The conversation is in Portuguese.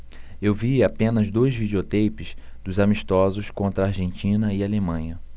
eu vi apenas dois videoteipes dos amistosos contra argentina e alemanha